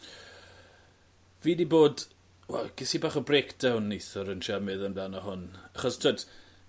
Fi 'di bod wel ges i bach o brakedown neithwr yn trial meddwl amdano hwn achos t'wod